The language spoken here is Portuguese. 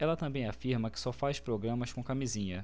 ela também afirma que só faz programas com camisinha